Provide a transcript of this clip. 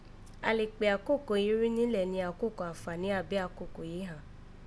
A lè kpè àkókò yìí rú nílẹ̀ ni àkókò ànfàní àbí àkókò yìí ghan